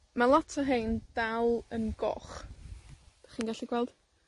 ma' lot o 'hein dal yn goch, 'dych chi'n gallu gweld?